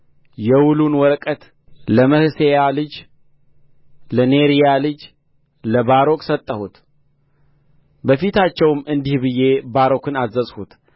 የውሉን ወረቀት ለመሕሤያ ልጅ ለኔርያ ልጅ ለባሮክ ሰጠሁት በፊታቸውም እንዲህ ብዬ ባሮክን አዘዝሁት